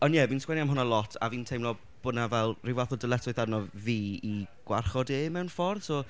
Ond ie fi'n sgwennu am hwnna lot a fi'n teimlo bod 'na fel rhyw fath o dyletswydd arno fi i gwarchod e mewn ffordd? So...